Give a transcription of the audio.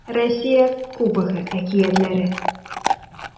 Россия Кубогы әкиятләре